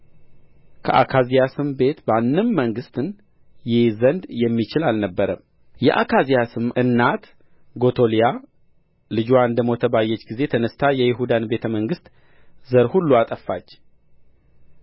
ከአካዝያስም ቤት ማንም መንግሥትን ይይዝ ዘንድ የሚችል አልነበረም የአካዝያስም እናት ጎቶሊያ ልጅዋ እንደ ሞተ ባየች ጊዜ ተነሥታ የይሁዳን ቤተ መንግሥት ዘር ሁሉ አጠፋች